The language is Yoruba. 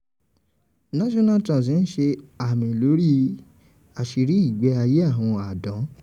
National Trust ń ṣe amí lórí i àṣírí ìgbé ayé àwọn àdán